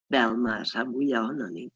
Fel mae'r rhan fwyaf ohonon ni.